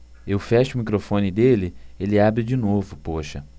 eu fecho o microfone dele ele abre de novo poxa